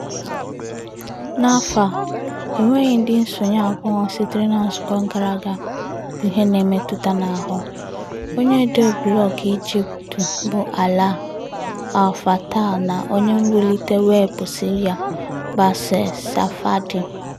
N'afọ a, enweghị ndị nsonye abụọ sitere na nzukọ gara aga bụ ihe na-emetụta n'ahụ: onye odee blọgụ Egypt bụ Alaa Abd El Fattah na onye mwulite webụ Syria Bassel Safadi.